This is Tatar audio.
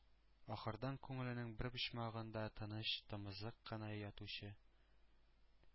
Ахырдан күңелнең бер почмагында тыныч-тымызык кына ятучы